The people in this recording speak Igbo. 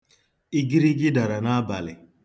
Igirigi dara n'abalị.